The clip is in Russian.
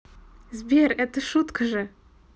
сбер это шутка же